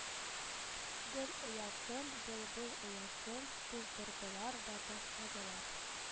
Гөл оясын, былбыл оясын туздырдылар да ташладылар